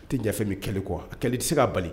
I tɛ ɲɛfɛ min kɛlɛ kɔ a kɛlɛ tɛ se ka bali